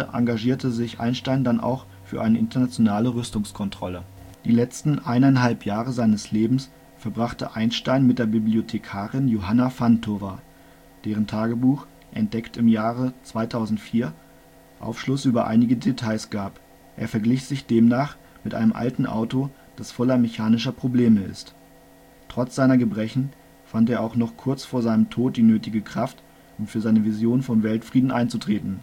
engagierte sich Einstein dann auch für eine internationale Rüstungskontrolle. Die letzten eineinhalb Jahre seines Lebens verbrachte Einstein mit der Bibliothekarin Johanna Fantova, deren Tagebuch, entdeckt im Jahre 2004, Aufschluss über einige Details gab. Er verglich sich demnach mit „ einem alten Auto, das voller mechanischer Probleme ist “. Trotz seiner Gebrechen fand er auch noch kurz vor seinem Tod die nötige Kraft, um für seine Vision vom Weltfrieden einzutreten